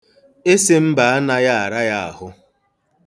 Ị sị mba anaghị ara ya ahụ.